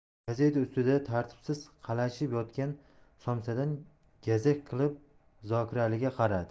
gazeta ustida tartibsiz qalashib yotgan somsadan gazak qilib zokiraliga qaradi